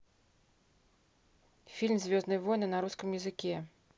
фильм звездные войны на русском языке